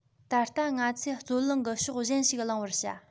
ད ལྟ ང ཚོས རྩོད གླེང གི ཕྱོགས གཞན ཞིག གླེང བར བྱ